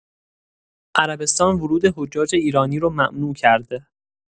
عربستان ورود حجاج ایرانی رو ممنوع کرده.